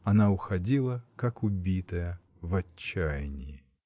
Она уходила как убитая, в отчаянии.